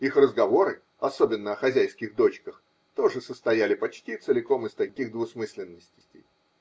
Их разговоры, особенно о хозяйских дочках, тоже состояли почти целиком из таких двусмысленностей